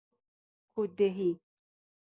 کوددهی